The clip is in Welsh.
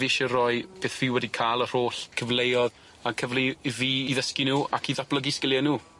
Fi isie roi beth fi wedi ca'l yr holl cyfleoedd a cyfle i fi i ddysgu nw ac i ddatblygu sgilie nw.